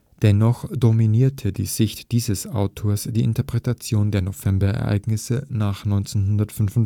Dennoch dominierte die Sicht dieses Autors die Interpretation der Novemberereignisse nach 1945